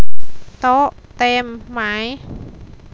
โต๊ะเต็มไหม